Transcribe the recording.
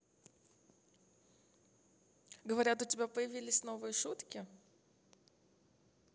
говорят у тебя появились новые шутки